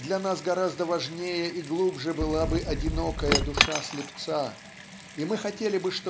Для нас гораздо важнее и глубже была бы одинокая душа слепца и мы хотели бы